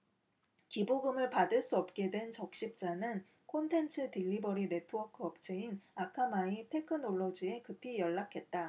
기부금을 받을 수 없게 된 적십자는 콘텐츠 딜리버리 네트워크 업체인 아카마이 테크놀로지에 급히 연락했다